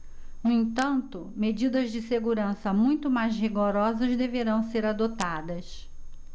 no entanto medidas de segurança muito mais rigorosas deverão ser adotadas